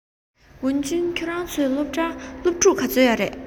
ཝུན ཅུན ཁྱོད རང ཚོའི སློབ གྲྭར སློབ ཕྲུག ག ཚོད ཡོད རེད